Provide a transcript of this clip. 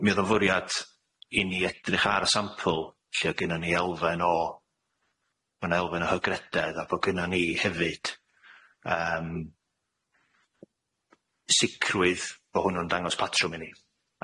M- mi o'dd o'n fwriad i ni edrych ar y sampl lle o' gynnon ni elfen o ma' 'na elfen o hygrededd a bo' gynno' ni hefyd yym sicrwydd bo hwnnw'n dangos patrwm i ni.